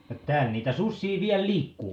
no täällä niitä susia vielä liikkuu